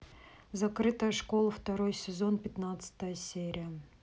закрытая школа второй сезон пятнадцатая серия